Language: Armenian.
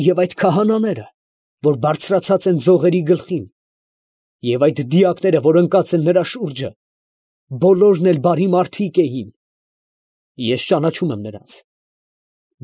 Եվ այդ քահանաները, որ բարձրացած են ձողերի գլխին, և այդ դիակները, որ ընկած են նրա շուրջը, բոլորն էլ բարի մարդիկ էին. ես ճանաչում եմ նրանց։